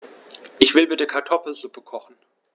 Ich will bitte Kartoffelsuppe kochen.